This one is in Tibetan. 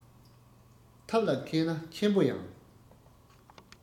ཐབས ལ མཁས ན ཆེན པོ ཡང